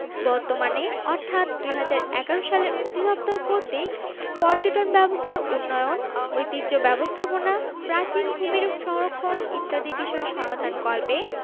বর্তমানে অর্থাৎ ২০১১ সালের অধিদপ্তর কর্তৃক পর্যটন ব্যবস্থার উন্নয়ন ঐতিহ্য ব্যবস্থাপনা প্রাচীন ভূমিরূপ সংরক্ষণ ইত্যাদিবিষয় সমাধানকল্পে